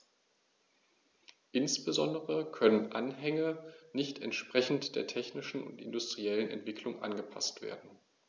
Insbesondere können Anhänge nicht entsprechend der technischen und industriellen Entwicklung angepaßt werden.